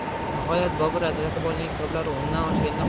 nihoyat bobur ajratib olgan kitoblar o'ndan oshganda